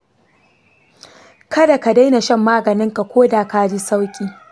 kada ka daina shan maganinka ko da ka ji sauƙi.